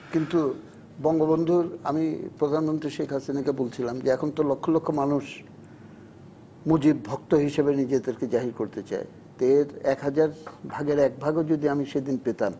কিন্তু বঙ্গবন্ধুর আমি প্রধানমন্ত্রী শেখ হাসিনাকে বলছিলাম যে এখন তো লক্ষ লক্ষ মানুষ মুজিব ভক্ত হিসেবে নিজেদেরকে জাহির করতে চায় তো এর এক হাজার ভাগের এক ভাগও যদি আমি সেদিন পেতাম